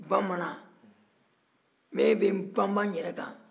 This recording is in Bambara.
bamanan ne bɛ n bama n yɛrɛ kan